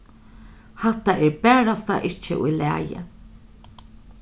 hatta er barasta ikki í lagi